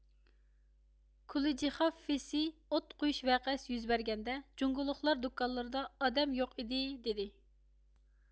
كۇلۇجىخاف فېيسىي ئوت قويۇش ۋەقەسى يۈز بەرگەندە جۇڭگولۇقلار دۇكانلىرىدا ئادەم يوق ئىدى دېدى